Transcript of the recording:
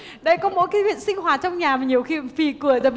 đấy có mỗi cái việc sinh hoạt trong nhà mà nhiều khi phì cười tại vì